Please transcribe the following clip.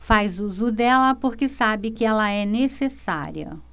faz uso dela porque sabe que ela é necessária